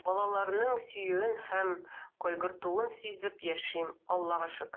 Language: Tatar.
Балаларның сөюен һәм кайгыртуын сизеп яшим, Аллага шөкер.